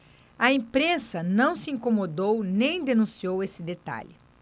a imprensa não se incomodou nem denunciou esse detalhe